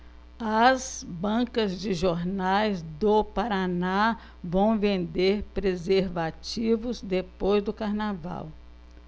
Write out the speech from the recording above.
as bancas de jornais do paraná vão vender preservativos depois do carnaval